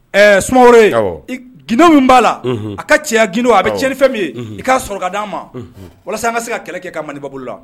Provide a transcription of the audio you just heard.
Ɛɛ sumaworo gdo min b'a la a ka cɛ gdo a bɛ cɛ ni fɛn min ye i k'a sɔrɔka d'an ma walasa an ka se ka kɛlɛ kɛ ka mali ba bolo la